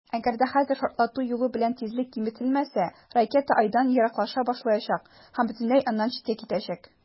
Әгәр дә хәзер шартлату юлы белән тизлек киметелмәсә, ракета Айдан ераклаша башлаячак һәм бөтенләй аннан читкә китәчәк.